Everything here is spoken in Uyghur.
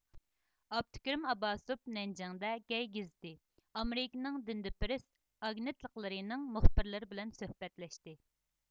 ئابدۇكېرىم ئابباسوف نەنجىڭدە گەي گېزىتى ئامېرىكىنىڭ دىندپىرىس ئاگېنتلىقلىرىنىڭ مۇخبىرلىرى بىلەن سۆھبەتلەشتى